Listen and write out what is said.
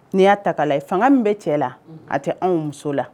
N'i y'a ta ka layɛ faŋa min bɛ cɛ la unhun a tɛ anw muso la